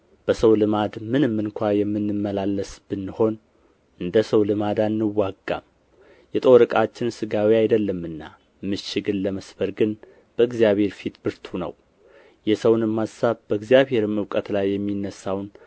በሰው ልማድ ምንም እንኳ የምንመላለስ ብንሆን እንደ ሰው ልማድ አንዋጋም የጦር ዕቃችን ሥጋዊ አይደለምና ምሽግን ለመስበር ግን በእግዚአብሔር ፊት ብርቱ ነው የሰውንም አሳብ በእግዚአብሔርም እውቀት ላይ የሚነሣውን